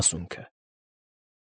Մասունքը։